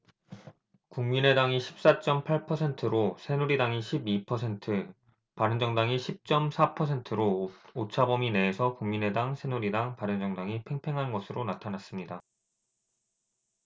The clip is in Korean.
국민의당이 십 사 쩜 팔 퍼센트로 새누리당이 십 이 퍼센트 바른정당이 십 쩜 사 퍼센트로 오차범위 내에서 국민의당 새누리당 바른정당이 팽팽한 것으로 나타났습니다